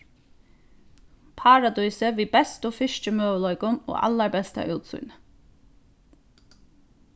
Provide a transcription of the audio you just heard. paradísið við bestu fiskimøguleikum og allarbesta útsýni